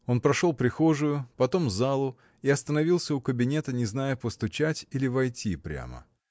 Он прошел прихожую, потом залу и остановился у кабинета, не зная, постучать или войти прямо.